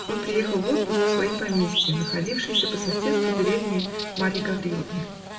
Он приехал в отпуск в свои поместья, находившиеся по соседству деревни Марьи Гавриловны.